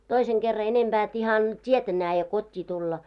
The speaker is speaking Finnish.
toisen kerran enempää että ihan tietä näe kotiin tulla